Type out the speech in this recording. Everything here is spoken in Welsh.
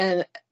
Yy